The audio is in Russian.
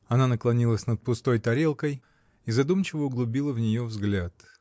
Она наклонилась над пустой тарелкою и задумчиво углубила в нее взгляд.